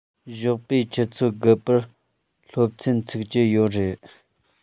ཞོགས པའི ཆུ ཚོད དགུ པར སློབ ཚན ཚུགས ཀྱི ཡོད རེད